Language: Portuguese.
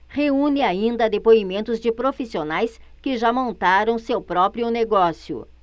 reúne ainda depoimentos de profissionais que já montaram seu próprio negócio